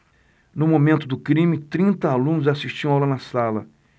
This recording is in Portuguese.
no momento do crime trinta alunos assistiam aula na sala